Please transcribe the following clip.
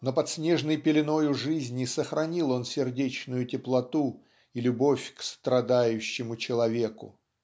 но под снежной пеленою жизни сохранил он сердечную теплоту и любовь к страдающему человеку.